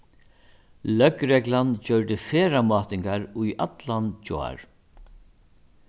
løgreglan gjørdi ferðamátingar í allan gjár